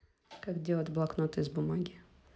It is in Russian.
как делать блокноты из бумаги